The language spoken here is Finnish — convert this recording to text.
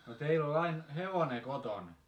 no teillä oli aina hevonen kotona